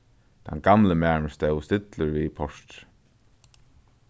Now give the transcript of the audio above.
tann gamli maðurin stóð stillur við portrið